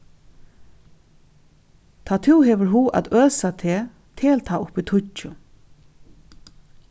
tá tú hevur hug at øsa teg tel tá upp í tíggju